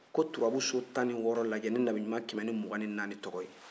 ko turabu so tan ni wɔɔrɔ lajɛ ni nabiɲuman kɛmɛ ni mugan ni naani tɔgɔ ye